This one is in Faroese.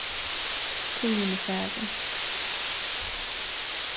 tíðin er farin